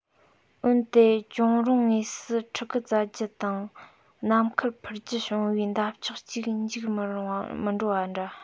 འོན ཏེ གཅོང རོང ངོས སུ ཕྲུ གུ བཙའ རྒྱུ དང ནམ མཁར འཕུར རྒྱུར བྱང བའི འདབ ཆགས ཤིག འཇིག མི འགྲོ བ འདྲ